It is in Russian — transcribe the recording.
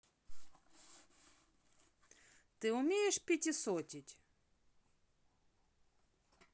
ты умеешь пятисотить